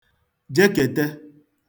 jekète